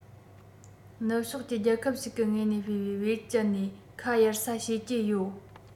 ནུབ ཕྱོགས ཀྱི རྒྱལ ཁབ ཞིག གི ངོས ནས སྤེལ བའི བེད སྤྱད ནས ཁ གཡར ས བྱེད ཀྱི ཡོད